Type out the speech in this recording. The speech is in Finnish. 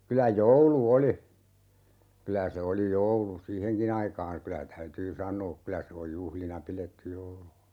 kyllä joulu oli kyllä se oli joulu siihenkin aikaan kyllä täytyy sanoa kyllä se on juhlina pidetty joulu